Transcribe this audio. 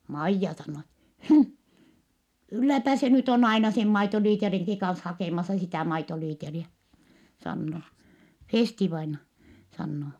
Maija sanoo että hm kylläpä se nyt on aina sen maitolitrankin kanssa hakemassa sitä maitolitraa sanoo Festi-vainaja sanoo